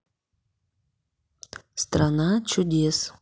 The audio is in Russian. страна чудес